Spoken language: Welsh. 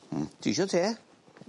Hmm. Tiso tê?